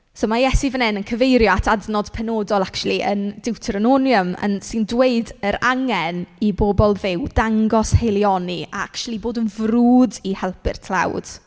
So ma' Iesu fan hyn yn cyfeirio at adnod penodol acshyli yn Deuteronomium, yn... sy'n dweud yr angen i bobl fyw, dangos heulioni a acshyli bod yn frwd i helpu'r tlawd.